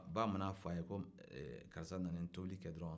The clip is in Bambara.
a ba mana fɔ a ye garisa na nin tobi kɛ dɔrɔn